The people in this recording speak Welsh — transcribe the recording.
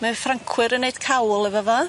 Mae'r Ffrancwyr yn neud cawl efo fo.